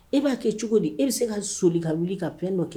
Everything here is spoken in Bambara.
E b'a kɛ cogo di e bɛ se ka so ka wuli ka pe dɔ kɛ